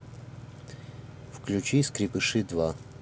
включи скрепыши два